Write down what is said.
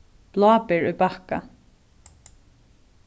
bláber í bakka